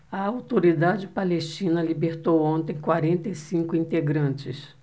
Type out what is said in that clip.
a autoridade palestina libertou ontem quarenta e cinco integrantes